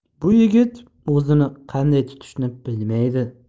bu yigit o'zini qanday tutishni bilmaydi